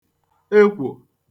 ekwò